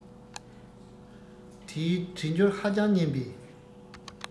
དེའི གྲེ འགྱུར ཧ ཅང སྙན པས